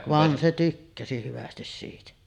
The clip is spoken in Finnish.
vaan se tykkäsi hyvästi siitä